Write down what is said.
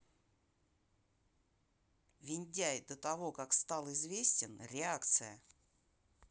виндяй до того как стал известен реакция